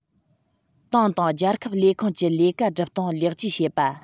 ཏང དང རྒྱལ ཁབ ལས ཁུངས ཀྱི ལས ཀ སྒྲུབ སྟངས ལེགས བཅོས བྱེད པ